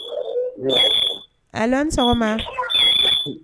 Allô aw ni sɔgɔma